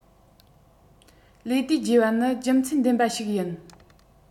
ལས དུས བརྗེ བ ནི རྒྱུ མཚན ལྡན པ ཞིག ཡིན